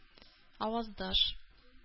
Аваздаш